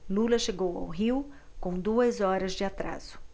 lula chegou ao rio com duas horas de atraso